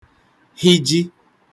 hịji